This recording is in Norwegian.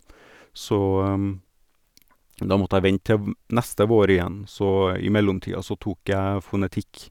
Så da måtte jeg vente til vm neste vår igjen, så i mellomtida så tok jeg fonetikk.